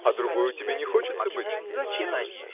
— А другою тебе не хочется быть? — Зачем?